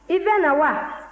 i bɛ na wa